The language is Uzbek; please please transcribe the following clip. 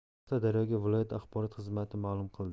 bu haqda daryoga viloyat axborot xizmati ma'lum qildi